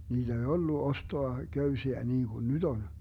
niitä ei ollut ostaa köysiä niin kuin nyt on